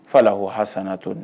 Fa la ko ha sanana to